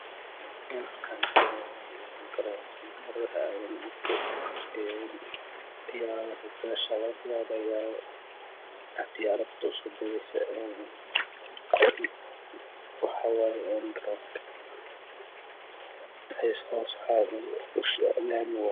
Een waxaa halkaan ka muquda garoonka diyaaradaha aadan cade diyaaradaha 3 diyaarad ayaa soo dagayso waxaa waayo garoonka hoos hoos meesha laami waaye